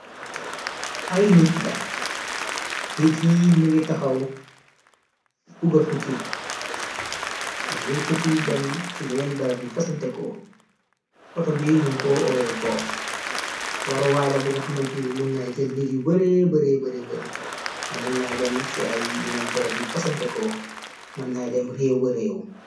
Ay nit la nit yi ñungi taxaw bu ga tukki dañuy tukki dem ci yeneen barab yu fasantekoo oto bi ñun ko oyé bos waruwaayla bu nga xamant ni mun naay jël nit yu bare baree bare bari tamu naay dem ci ay yeneen barab yu fasanteko mënnaay dem réew ba réew.